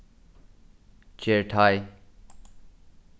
ger teig